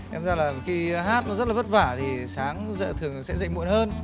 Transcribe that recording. đem ra là khi hát nó rất là vất vả thì sáng dậy thường sẽ dậy muộn hơn